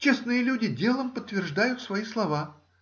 - Честные люди делом подтверждают свои слова.